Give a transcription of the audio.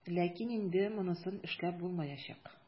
Ләкин инде монысын эшләп булмаячак.